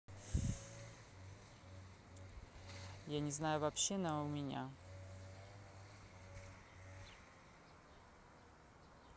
я не знаю вообще на у меня